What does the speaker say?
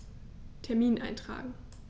Termin eintragen